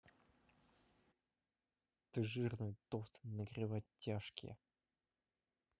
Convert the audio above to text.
ты жирная толстая нагревать тяжкие